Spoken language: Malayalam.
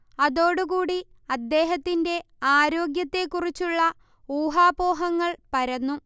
അതോടുകൂടി അദ്ദേഹത്തിൻറെ ആരോഗ്യത്തെ കുറിച്ചുള്ള ഊഹാപോഹങ്ങൾ പരന്നു